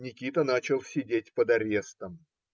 Никита начал сидеть под арестом.